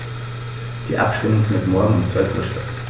Die Abstimmung findet morgen um 12.00 Uhr statt.